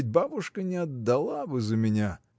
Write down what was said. Ведь бабушка не отдала бы за меня.